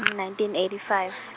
nineteen eight five .